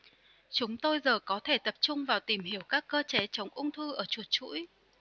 chúng tôi giờ có thể tập trung vào tìm hiểu các cơ chế chống ung thư ở chuột chũi